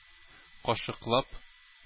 Кашыклап